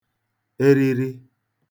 eriri